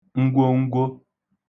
ngwongwo